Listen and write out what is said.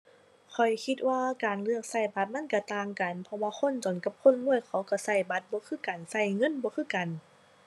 ข้อยคิดว่าการเลือกใช้บัตรมันใช้ต่างกัน เพราะว่าคนจนกับคนรวยเขาใช้ใช้บัตรบ่คือกัน ใช้เงินบ่คือกัน